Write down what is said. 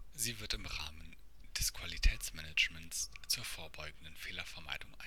Sie wird im Rahmen des Qualitätsmanagements zur vorbeugenden Fehlervermeidung